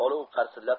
olov qarsillab